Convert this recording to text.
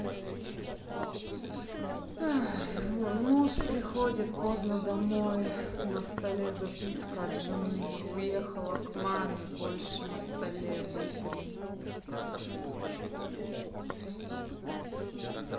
муж приходит поздно домой на столе записка от жены уехала к маме больше на столе вытри